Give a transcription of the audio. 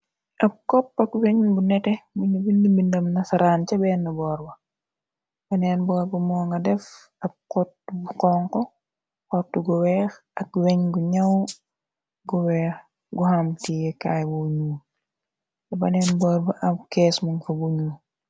ab koppak weñ bu nete muñu bind bindam nasaraan ca benn boor ba baneen boorba moo nga def ab xotbu xonko xortu gu weex ak weñ gu ñaw gu weex gu xam tie kaay bu ñuu te baneen boor ba ab kees mon fa buñu.